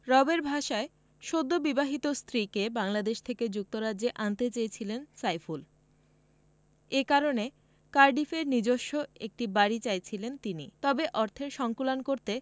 রবের ভাষায় সদ্যবিবাহিত স্ত্রীকে বাংলাদেশ থেকে যুক্তরাজ্যে আনতে চেয়েছিলেন সাইফুল এ কারণে কার্ডিফে নিজস্ব একটি বাড়ি চাইছিলেন তিনি তবে অর্থের সংকুলান করতে